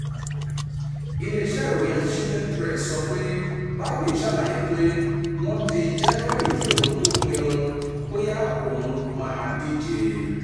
Ilé iṣẹ́ ìròyìn Associated Press sọ pé Biden ṣàlàyé pé wọ́n di January kí òun tó pinnu bóyá òun máa díje.